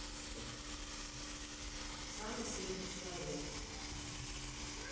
самый сильный человек